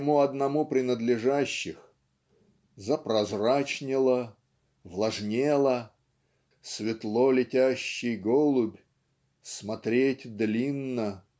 ему одному принадлежащих ("запрозрачнело" "влажнела" "светло-летящий голубь" "смотреть длинно")